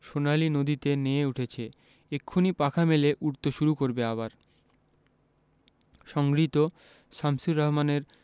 সোনালি নদীতে নেয়ে উঠেছে এক্ষুনি পাখা মেলে উড়তে শুরু করবে আবার সংগৃহীত শামসুর রাহমানের